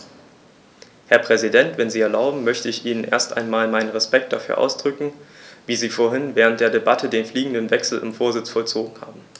Herr Präsident, wenn Sie erlauben, möchte ich Ihnen erst einmal meinen Respekt dafür ausdrücken, wie Sie vorhin während der Debatte den fliegenden Wechsel im Vorsitz vollzogen haben.